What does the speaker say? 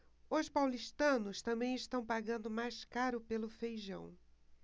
os paulistanos também estão pagando mais caro pelo feijão